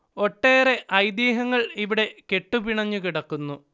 ഒട്ടെറെ ഐതിഹ്യങ്ങൾ ഇവിടെ കെട്ടു പിണഞ്ഞു കിടക്കുന്നു